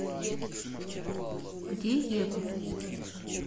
где ева